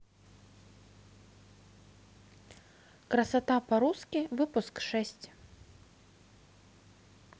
красота по русски выпуск шесть